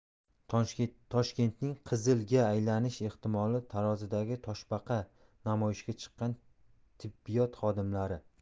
toshkentning qizil ga aylanish ehtimoli tarozidagi toshbaqa namoyishga chiqqan tibbiyot xodimlari